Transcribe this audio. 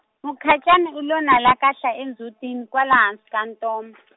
Mukhacani u lo lakahla endzhutini kwala hansi ka ntoma.